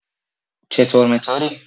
چطور مطوری؟